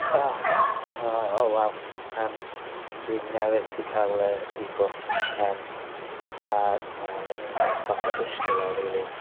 Och o o wel yym dwi newydd 'di ca'l yr i-bost yym a wel o'n i'n fath o dishgwl e rili.